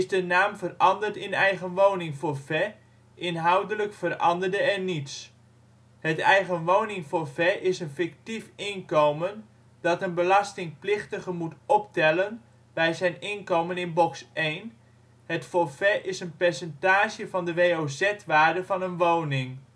de naam veranderd in eigenwoningforfait, inhoudelijk veranderde er niets. Het eigenwoningforfait is een fictief inkomen dat een belastingplichtige moet optellen bij zijn inkomen in box 1, het forfait is een percentage van de WOZ-waarde van een woning